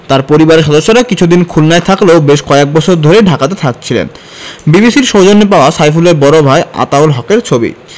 তাঁর পরিবারের সদস্যরা কিছুদিন খুলনায় থাকলেও বেশ কয়েক বছর ধরে ঢাকাতেই থাকছিলেন বিবিসির সৌজন্যে পাওয়া সাইফুলের বড় ভাই আতাউল হকের ছবি